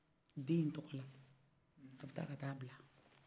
denyi tɔgɔla a bɛ ta ka ta bila